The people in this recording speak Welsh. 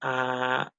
a